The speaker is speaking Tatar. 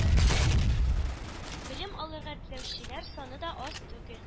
Белем алырга теләүчеләр саны да аз түгел.